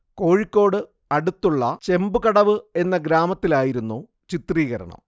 കോഴിക്കോട് അടുത്തുള്ള ചെമ്പുകടവ് എന്ന ഗ്രാമത്തിലായിരുന്നു ചിത്രീകരണം